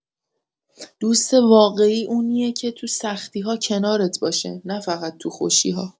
دوست واقعی اونیه که تو سختی‌ها کنارت باشه، نه‌فقط تو خوشی‌ها.